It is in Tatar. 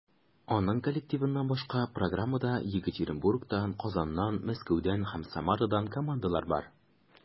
Аның коллективыннан башка, программада Екатеринбургтан, Казаннан, Мәскәүдән һәм Самарадан командалар бар.